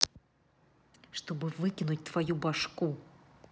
чтобы выкинуть твою бошку